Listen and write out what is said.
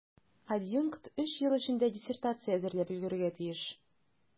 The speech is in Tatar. Адъюнкт өч ел эчендә диссертация әзерләп өлгерергә тиеш.